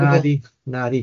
Nadi, nadi.